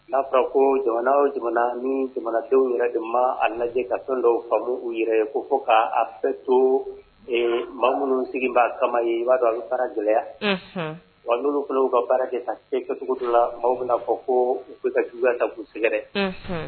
N'asa ko jamana jamana minnu jamana te yɛrɛ de ma a lajɛ ka fɛn dɔw faamu u yɛrɛ ye ko fɔ k'a fɛ to ma minnu sigi' kama ye b'a dɔn a farajya wa n olu fana ka baara kɛ se kacogotura la maaw bɛna fɔ ko uta ka u sɛgɛrɛ